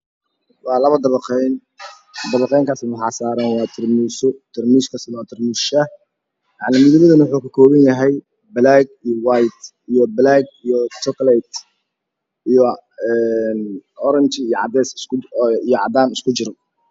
Mashan waa yalo mis oo sadax dabaq ah wax saran tarmus oo shah ah kalr kode waa madow iyo dahabi iyo baluug iyo qahwi iyo cades iyo cadan iyo dahabi